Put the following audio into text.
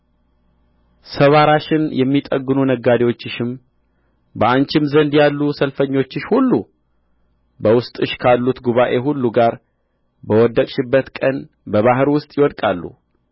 ሰባራሽንም የሚጠግኑ ነጋዴዎችሽም በአንቺም ዘንድ ያሉ ሰልፈኞችሽ ሁሉ በውስጥሽ ካሉት ጉባኤ ሁሉ ጋር በወደቅሽበት ቀን በባሕር ውስጥ ይወድቃሉ